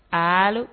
Aa